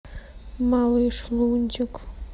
малыш лунтик